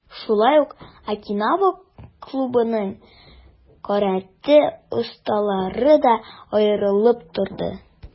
Шулай ук, "Окинава" клубының каратэ осталары да аерылып торды.